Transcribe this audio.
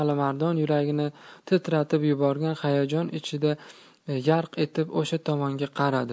alimardon yuragini titratib yuborgan hayajon ichida yarq etib o'sha tomonga qaradi